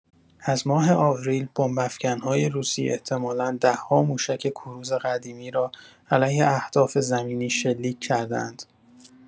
از ماه آوریل، بمب افکن‌های روسی احتمالا ده‌ها موشک کروز قدیمی را علیه اهداف زمینی شلیک کرده‌اند.